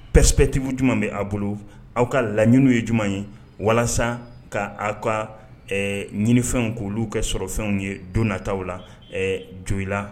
Ppti jumɛn bɛ a bolo aw ka laɲini ye jumɛn ye walasa ka aw ka ɲinifɛnw k'olu kɛ sɔrɔ fɛnw ye don nata la jolila